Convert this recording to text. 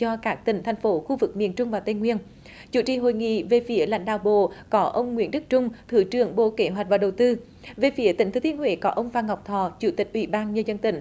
cho các tỉnh thành phố khu vực miền trung và tây nguyên chủ trì hội nghị về phía lãnh đạo bộ cỏ ông nguyễn đức chung thứ trưởng bộ kế hoạch và đầu tư về phía tỉnh thừa thiên huế có ông phan ngọc thọ chủ tịch ủy ban nhân dân tỉnh